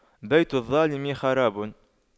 بيت الظالم خراب